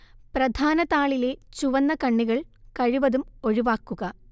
പ്രധാനതാളിലെ ചുവന്നകണ്ണികൾ കഴിവതും ഒഴിവാക്കുക